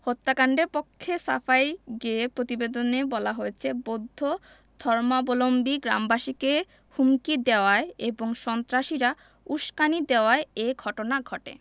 হত্যাকাণ্ডের পক্ষে সাফাই গেয়ে প্রতিবেদনে বলা হয়েছে বৌদ্ধ ধর্মাবলম্বী গ্রামবাসীকে হুমকি দেওয়ায় এবং সন্ত্রাসীরা উসকানি দেওয়ায় এ ঘটনা ঘটে